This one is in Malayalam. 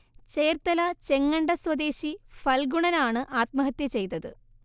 ചേർത്തല ചെങ്ങണ്ട സ്വദേശി ഫൽഗുണനാണ് ആത്മഹത്യ ചെയ്തത്